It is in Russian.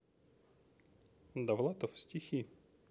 довлатов стихи